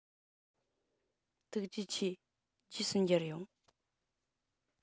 ཐུགས རྗེ ཆེ རྗེས སུ མཇལ ཡོང